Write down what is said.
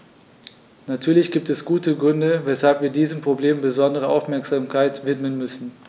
Natürlich gibt es gute Gründe, weshalb wir diesem Problem besondere Aufmerksamkeit widmen müssen.